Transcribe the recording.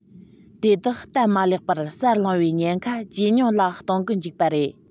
དེ དག སྟབས མ ལེགས པར སར ལྷུང བའི ཉེན ཁ ཇེ ཉུང ལ གཏོང གི འཇུག པ རེད